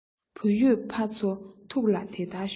བུ ཡོད ཕ ཚོ ཐུགས ལ དེ ལྟར ཞོག